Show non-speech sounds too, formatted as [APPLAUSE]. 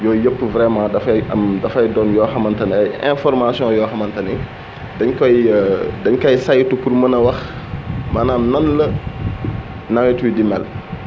yooyu yëpp vraiment dafay am dafay doon yoo xamante ni ay informations yoo xamante ni dañu koy [HESITATION] dañu koy saytu pour mën a wax [NOISE] maanaam nan la [NOISE] nawet wi di mel